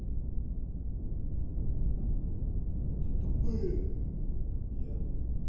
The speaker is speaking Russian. а тут тупые нет